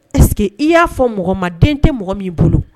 Est-ce que i ya fɔ mɔgɔ min ma , den tɛ mɔgɔ min bolo.